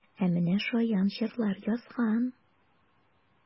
Ә менә шаян җырлар язган!